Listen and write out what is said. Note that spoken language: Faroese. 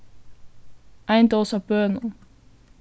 ein dós av bønum